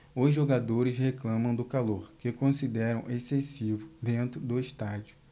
os jogadores reclamam do calor que consideram excessivo dentro do estádio